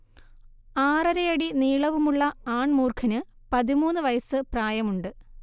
ആറരയടി നീളവുമുള്ള ആൺ മൂർഖന് പതിമൂന്നു വയസ് പ്രായമുണ്ട്